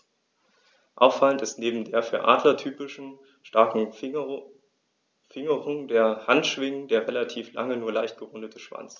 Auffallend ist neben der für Adler typischen starken Fingerung der Handschwingen der relativ lange, nur leicht gerundete Schwanz.